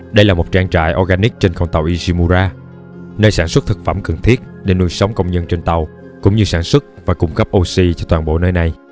đây là một trang trại organic trên con tàu ishimura nơi sản xuất thực phẩm cần thiết để nuôi sống công nhân trên tàu cũng như sản xuất và cung cấp oxy cho toàn bộ nơi này